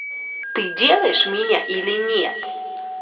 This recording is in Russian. ты делаешь меня или нет